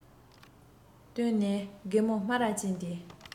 བསྟུན ནས རྒད པོ སྨ ར ཅན དེས